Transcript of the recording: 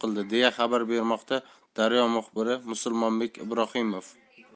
qildi deya xabar bermoqda daryo muxbiri musulmonbek ibrohimov